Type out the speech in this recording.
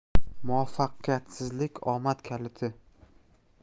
muvaffaqiyatsizlik omad kaliti